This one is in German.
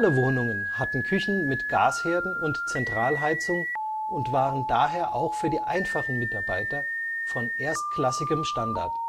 Wohnungen hatten Küchen mit Gasherden und Zentralheizung und waren daher auch für die einfachen Mitarbeiter von erstklassigem Standard